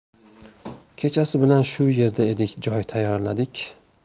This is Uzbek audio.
kechasi bilan shu yerda edik joy tayyorladik